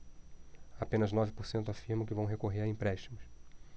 apenas nove por cento afirmam que vão recorrer a empréstimos